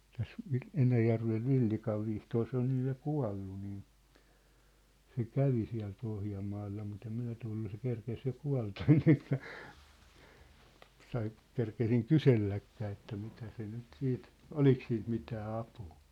tässä - Enäjärven Villikan Vihtori se on nyt ja kuollut niin se kävi siellä Pohjanmaalla mutta en minä tullut se kerkesi jo kuolla ennen kuin minä sai kerkesin kyselläkään että mitä se nyt sitten oliko siitä mitään apua